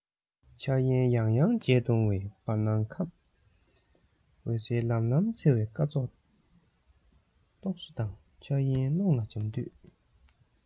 འཆར ཡན ཡང ཡང བྱས སྟོང བའི བར སྣང ཁམས འོད ཟེར ལམ ལམ འཚེར བའི སྐར ཚོགས རྟོག བཟོ དང འཆར ཡན ཀློང ལ འབྱམས དུས